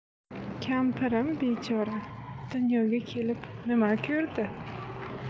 kampirim bechora dunyoga kelib nima ko'rdi